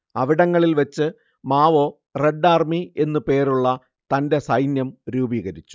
അവിടങ്ങളിൽ വെച്ച് Mao red army എന്നു പേരുള്ള തന്റെ സൈന്യം രൂപീകരിച്ചു